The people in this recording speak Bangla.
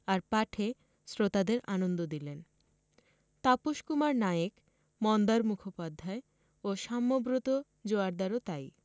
আর পাঠে শ্রোতাদের আনন্দ দিলেন তাপস কুমার নায়েক মন্দার মুখোপাধ্যায় ও সাম্যব্রত জোয়ারদারও তাই